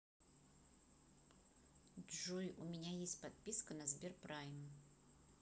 джой у меня есть подписка на сберпрайм